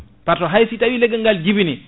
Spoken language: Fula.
par ce hay si tawi leggal ngal jiibini